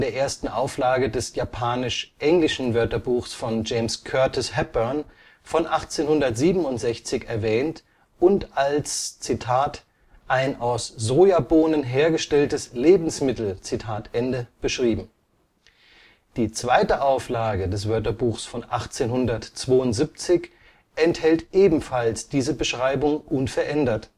ersten Auflage des japanisch-englischen Wörterbuchs von James Curtis Hepburn von 1867 erwähnt und als „ ein aus Sojabohnen hergestelltes Lebensmittel “beschrieben; die zweite Auflage des Wörterbuchs von 1872 enthält ebenfalls diese Beschreibung unverändert